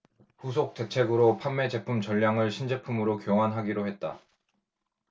후속 대책으로 판매 제품 전량을 신제품으로 교환하기로 했다